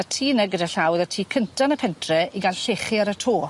Y tŷ 'na gyda llaw o'dd y tŷ cynta yn y pentre i ga'l llechi ar y to.